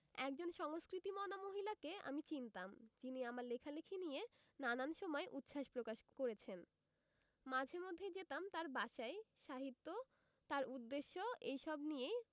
একজন সংস্কৃতি মনা মহিলাকে আমি চিনতাম যিনি আমার লেখালেখি নিয়ে নানান সময় উচ্ছাস প্রকাশ করছেন মাঝে মধ্যেই যেতাম তার বাসায় সাহিত্য তার উদ্দেশ্য এইসব নিয়ে